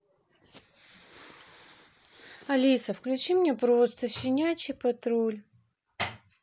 алиса включи мне просто щенячий патруль